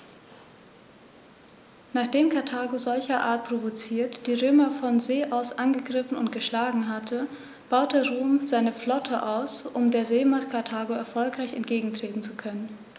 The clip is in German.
Nachdem Karthago, solcherart provoziert, die Römer von See aus angegriffen und geschlagen hatte, baute Rom seine Flotte aus, um der Seemacht Karthago erfolgreich entgegentreten zu können.